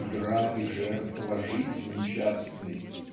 "игра и жертва жизни частной".